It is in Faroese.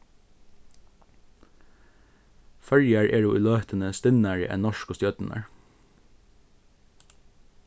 føroyar eru í løtuni stinnari enn norsku stjørnurnar